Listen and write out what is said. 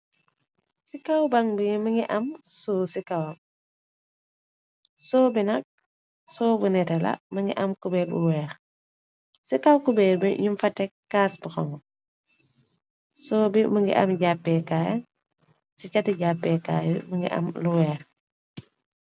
Ci kaw bang bi yi më ngi am sow ci kawa. Soo bi nag soo bu neté la më ngi am cubeer bu weex. Ci kaw kubeer bi ñu fa te caasbxong. Soo bi më ngi am jàppekaay. Ci cati jàppekaau bi ngi am lu weer.